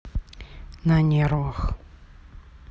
на нервах